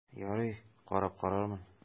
Ярый, карап карармын...